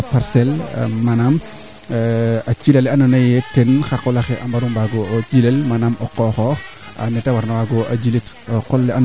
parce que kaa jeg solo lool bo o xooxa o an mee waroona xoox fo laŋ ke o xooxa aussi a jega solo pour o andin i andaame bo i moƴna mbi rek xa i ŋuus kamfee moƴo yaajatinin oyo